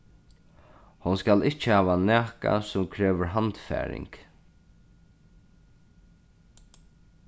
hon skal ikki hava nakað sum krevur handfaring